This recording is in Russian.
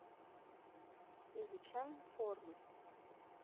изучаем формы